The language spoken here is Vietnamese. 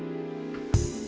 nha